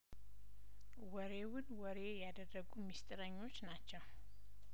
ወሬውን ወሬ ያደረጉ ምስጢረኞች ናቸው